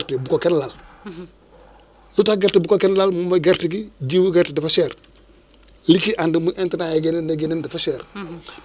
mais ñun à notre niveau aussi chaque jour breafing boobu dinañ ko dinañ ko def dégg nga à chaque fois bu ñu ko defee ba pare bu ñu paree aussi daal di envoyé donc kii quoi prévision yi